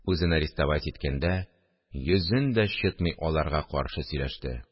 Үзен арестовать иткәндә, йөзен дә чытмый аларга каршы сөйләште